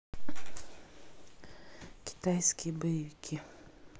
китайские боевики